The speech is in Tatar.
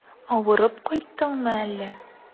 Авырып кайттыңмы әллә?